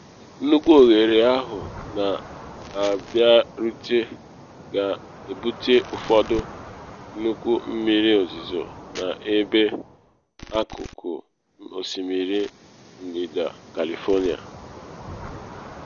Nnukwu oghere ahụ na abịarute ga-ebute ụfọdụ nnukwu mmiri ozizo n’ebe akụkụ osimiri Ndịda California.